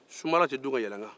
sumbala tɛ dun ka yɛlɛ ne kan